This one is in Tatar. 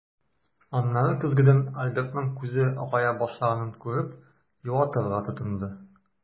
Аннары көзгедән Альбертның күзе акая башлаганын күреп, юатырга тотынды.